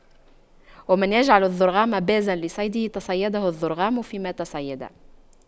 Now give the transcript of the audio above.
ومن يجعل الضرغام بازا لصيده تَصَيَّدَهُ الضرغام فيما تصيدا